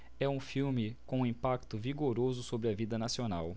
é um filme com um impacto vigoroso sobre a vida nacional